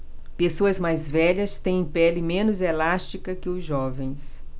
pessoas mais velhas têm pele menos elástica que os jovens